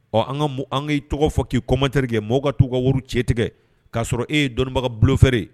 Ɔ an ka an k'i tɔgɔ fɔ k'i commentaire kɛ mɔgɔw ka t'u ka wri ci e tɛgɛ k'a sɔrɔ e ye dɔnnibaga bluffeur ye!